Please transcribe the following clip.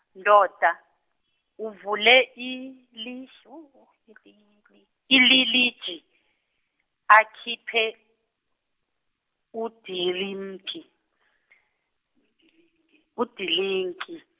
ndoda, uvule ilis ililiji, akhiphe, udilinki , udilinki.